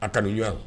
A kaɲɔgɔn